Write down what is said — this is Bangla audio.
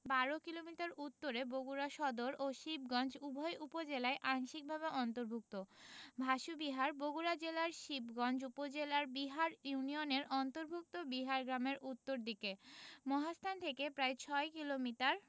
১২ কিলোমিটার উত্তরে বগুড়া সদর ও শিবগঞ্জ উভয় উপজেলায় আংশিকভাবে অন্তর্ভুক্ত ভাসু বিহার বগুড়া জেলার শিবগঞ্জ উপজেলার বিহার ইউনিয়নের অন্তর্ভুক্ত বিহার গ্রামের উত্তর দিকে মহাস্থান থেকে প্রায় ৬ কিলোমিটার